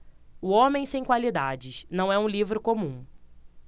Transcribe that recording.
o homem sem qualidades não é um livro comum